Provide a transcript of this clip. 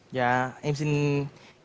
dạ em xin